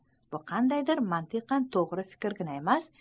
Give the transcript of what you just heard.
bu qandaydir mantiqan to'g'ri fikrgina emas